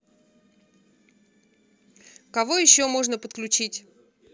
кого еще можно подключить